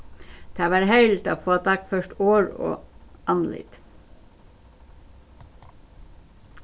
tað var herligt at fáa dagført orð og andlit